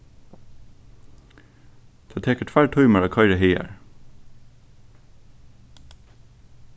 tað tekur tveir tímar at koyra hagar